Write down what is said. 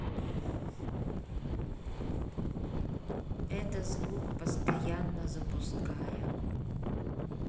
это звук постоянно запуская